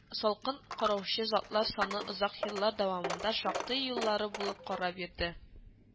Салкын караучы затлар саны озак еллар дәвамында шактый юллары булып кала бирде